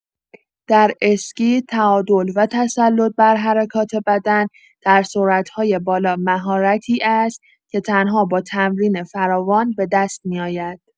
در اسکی، تعادل و تسلط بر حرکات بدن در سرعت‌های بالا مهارتی است که تنها با تمرین فراوان به دست می‌آید.